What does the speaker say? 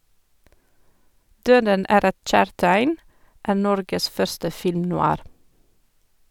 "Døden er et kjærtegn" er Norges første film-noir.